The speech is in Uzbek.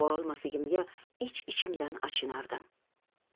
borolmasligimga ich ichimdan achinardim